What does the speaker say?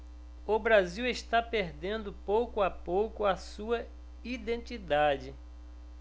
o brasil está perdendo pouco a pouco a sua identidade